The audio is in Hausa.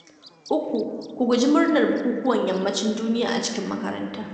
3.Ku guji murnar bukukuwan Yammacin duniya a cikin makaranta.